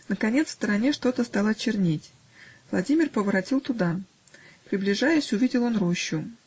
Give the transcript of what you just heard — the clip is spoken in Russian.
Наконец в стороне что-то стало чернеть. Владимир поворотил туда. Приближаясь, увидел он рощу.